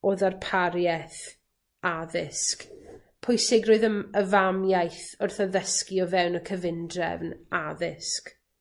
o ddarparieth addysg, pwysigrwydd y m- y famiaith wrth addysgu o fewn y cyfundrefn addysg.